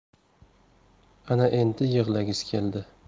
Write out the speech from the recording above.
ana endi yig'lagisi keldi